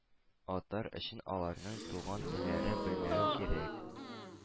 Атар өчен аларның туган телләрен белмәве кирәк.